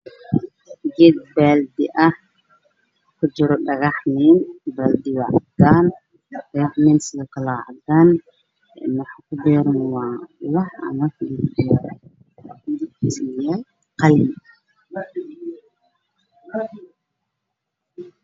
Geed baldi ah kujiro dhagax miin baldiga waa cadan dhagaxminta waa cadan waxa kujiro fiyor waan qalin